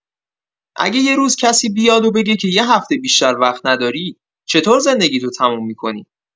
اگه یه روز کسی بیاد و بگه که یه هفته بیشتر وقت نداری، چطور زندگیتو تموم می‌کنی؟